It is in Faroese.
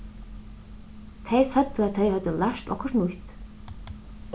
tey søgdu at tey høvdu lært okkurt nýtt